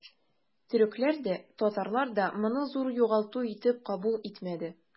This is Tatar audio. Төрекләр дә, татарлар да моны зур югалту итеп кабул итмәде.